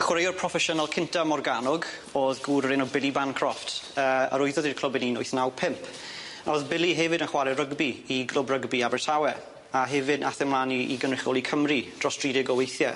Chwaraewr proffesiynol cynta Morgannwg o'dd gŵr o'r enw Billy Bancroft yy arwyddodd i'r clwb yn un wyth naw pump a o'dd Billy hefyd yn chware rygbi i Glwb Rygbi Abertawe a hefyd nath e mlan i i gynrychioli Cymru dros dri deg o weithie.